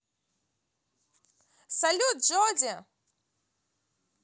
салют джоди